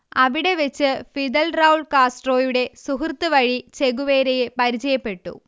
അവിടെ വെച്ച് Fidel Raul കാസ്ട്രോയുടെ സുഹൃത്തു വഴി ചെഗുവേരയെ പരിചയപ്പെട്ടു